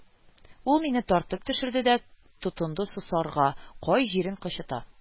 Ул мине тартып төшерде дә тотынды сосарга, кай җирең кычыта